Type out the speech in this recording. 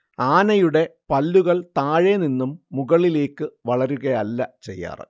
ആനയുടെ പല്ലുകൾ താഴെനിന്നു മുകളിലേക്ക് വളരുകയല്ല ചെയ്യാറ്